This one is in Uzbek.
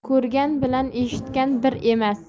ko'rgan bilan eshitgan bir emas